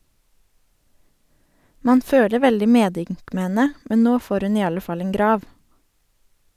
Man føler veldig medynk med henne, men nå får hun i alle fall en grav.